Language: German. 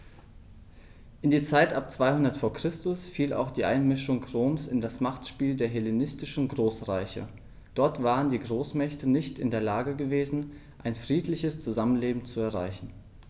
In die Zeit ab 200 v. Chr. fiel auch die Einmischung Roms in das Machtspiel der hellenistischen Großreiche: Dort waren die Großmächte nicht in der Lage gewesen, ein friedliches Zusammenleben zu erreichen.